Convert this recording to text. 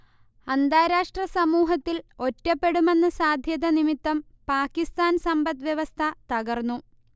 അന്താരാഷ്ട്ര സമൂഹത്തിൽ ഒറ്റപ്പെടുമെന്ന സാധ്യത നിമിത്തം പാകിസ്താൻ സമ്പദ് വ്യവസ്ഥ തകർന്നു